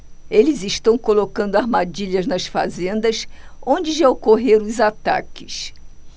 eles estão colocando armadilhas nas fazendas onde já ocorreram os ataques